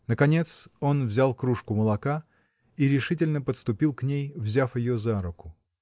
Наконец он взял кружку молока и решительно подступил к ней, взяв ее за руку.